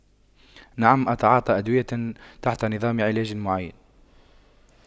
نعم أتعاطى أدوية تحت نظام علاج معين